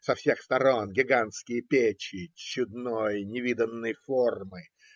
Со всех сторон гигантские печи чудной, невиданной формы.